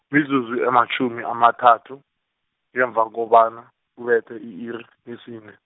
mizuzu ematjhumi amathathu, ngemva kobana, kubethe i-iri, lesine.